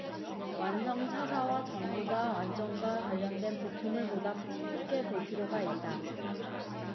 완성차사와 정부가 안전과 관련된 부품을 보다 폭 넓게 볼 필요가 있다